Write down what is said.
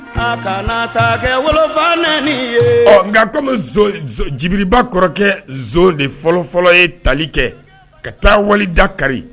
A kana ta kɛfa ɔ nka kɔmi bɛbba kɔrɔkɛ de fɔlɔfɔlɔ ye tali kɛ ka taa wali da kari